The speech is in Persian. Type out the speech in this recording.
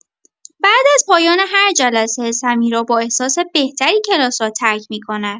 بعد از پایان هر جلسه، سمیرا با احساس بهتری کلاس را ترک می‌کند.